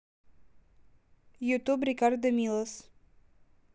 ютуб рикардо милос